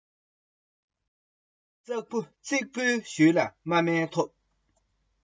དཔོན འབངས ནད པ ཨེམ ཆིའི དཔེ བཞིན དུ